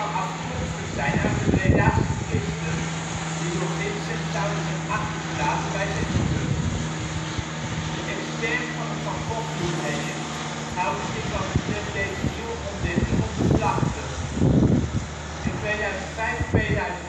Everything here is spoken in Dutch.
afkomstig zijn uit de Bredase kisten, die door Vincent zouden zijn achtergelaten bij zijn moeder. De experts van het Van Gogh Museum houden zich wat betreft deze nieuwe ontdekking op de vlakte. In 2005/6 is in